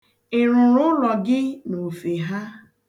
Ị rụrụ ụlọ gị n'ofe ha?